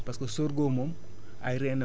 nga def fa sorgho moo gën